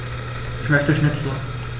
Ich möchte Schnitzel.